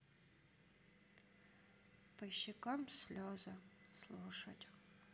по щекам слезы слушать